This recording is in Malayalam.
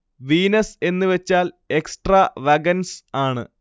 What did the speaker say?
വീനസ് എന്ന് വെച്ചാൽ എക്സ്ട്രാ വഗൻസ് ആണ്